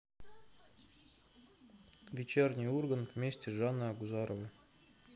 вечерний ургант вместе с жанной агузаровой